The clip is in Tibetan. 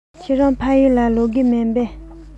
ཁྱེད རང ཕ ཡུལ ལ ལོག གི མིན པས